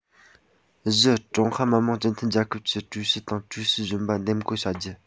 བཞི ཀྲུང ཧྭ མི དམངས སྤྱི མཐུན རྒྱལ ཁབ ཀྱི ཀྲུའུ ཞི དང ཀྲུའུ ཞི གཞོན པ འདེམས བསྐོ བྱ རྒྱུ